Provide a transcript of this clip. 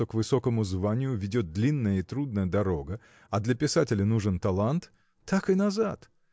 что к высокому званию ведет длинная и трудная дорога а для писателя нужен талант так и назад.